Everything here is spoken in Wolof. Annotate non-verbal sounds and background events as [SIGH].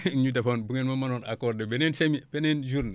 [LAUGHS] ñu defoon bu ngeen ma mënoon accorder beneen semi beneen journée